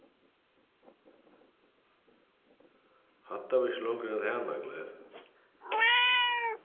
hatta var ikki longri enn eitt hanagleiv